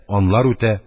Анлар үтә;